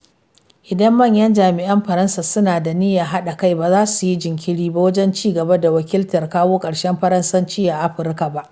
Idan manyan jami’an Faransa suna da niyyar haɗa kai, ba za su yi jinkiri ba wajen ci gaba da wakiltar kawo harshen Faransanci a Afirka ba.